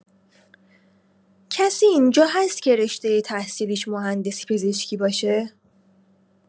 کسی اینجا هست که رشته تحصیلیش مهندسی پزشکی باشه؟